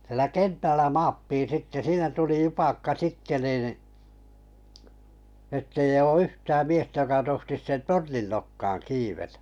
siellä kentällä maattiin sitten siinä tuli jupakka sitten niin että ei ole yhtään miestä joka tohtisi tornin nokkaan kiivetä